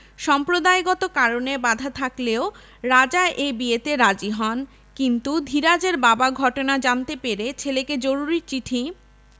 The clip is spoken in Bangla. সম্প্রদায়গত কারণে বাঁধা থাকলেও রাজা এ বিয়েতে রাজি হন কিন্তু ধীরাজের বাবা ঘটনা জানতে পেরে ছেলেকে জরুরি চিঠি